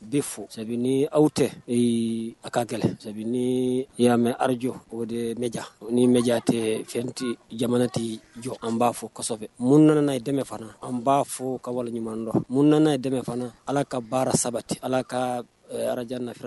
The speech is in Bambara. Bɛ fo sɛbɛn aw tɛ aw ka gɛlɛn sabu yɛrɛmɛ araj o de mja ni mja tɛ fɛn tɛ jamana tɛ jɔ an b'a fɔ mun ye dɛ fana an b'a fɔ ka wale ɲumandɔ mun ye dɛ fana ala ka baara sabati ala ka arajɛrɛ